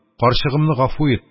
Карчыгымны гафу ит,